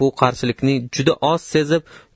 bu qarshilikni juda oz sezib